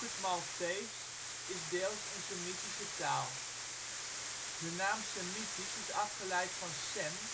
het Maltees is deels een Semitische taal. De naam Semitisch is afgeleid van Sem,